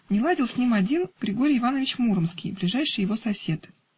Не ладил с ним один Григорий Иванович Муромский, ближайший его сосед.